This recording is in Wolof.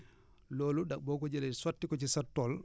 loolu da boo ko jëlee sotti ko ci sa tool